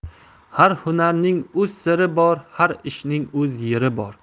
har hunarning o'z siri bor har ishning o'z yeri bor